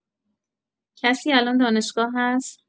کسی الان دانشگاه هست؟